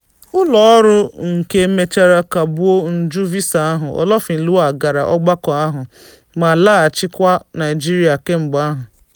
Ụlọọrụ nke UK mechara kagbuo njụ visa ahụ. Olofinlua gara ọgbakọ ahụ ma laghachị kwa Naịjirịa kemgbe ahụ.